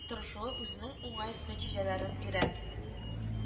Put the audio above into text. Тырышуы үзенең уңай нәтиҗәләрен бирә